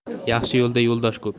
yaxshi yo'lda yo'ldosh ko'p